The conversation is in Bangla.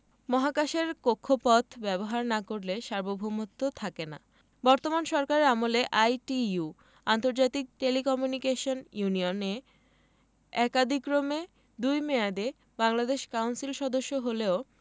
মহাকাশের কক্ষপথ ব্যবহার না করলে সার্বভৌমত্ব থাকে না বর্তমান সরকারের আমলে আইটিইউ আন্তর্জাতিক টেলিকমিউনিকেশন ইউনিয়ন এ একাদিক্রমে দুই মেয়াদে বাংলাদেশ কাউন্সিল সদস্য হলেও